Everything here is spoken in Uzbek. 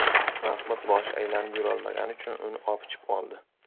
mahmud boshi aylanib yurolmagani uchun uni opichib oldi